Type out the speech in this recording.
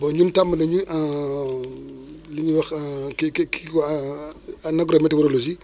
bon ñun tàmm nañu en li ñuy wax kii ki ki ko en agrométéorologie